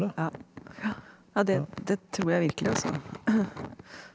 ja ja ja det det tror jeg virkelig altså .